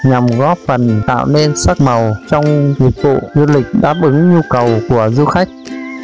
nhằm góp phần tạo thêm sắc màu trong dịch vụ du lịch đáp ứng nhu cầu của du khách